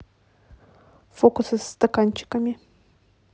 фокусы с стаканчиками